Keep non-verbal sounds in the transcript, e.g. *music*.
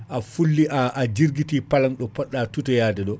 a fulli *hesitation* jirguiti palang ɗo podɗa tutoyade ɗo